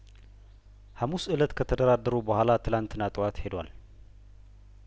ሀሙስ እለት ከተደራደሩ በኋላ ትላንትና ጠዋት ሄዷል